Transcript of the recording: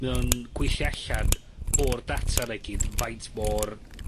mae o'n gweithio allan, o'r data 'na gyd, faint mor